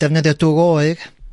defnyddio dŵr oer.